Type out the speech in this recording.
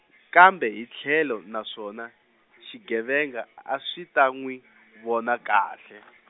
kambe hi tlhelo na swona, swigevenga a swi ta n'wi, vona kahle.